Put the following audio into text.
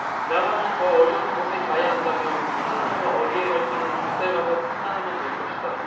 나가면 더 어려운 곳에 가야 한다며 총선에서 어디에 갈지는 그 때 가서 판단하면 될 것이다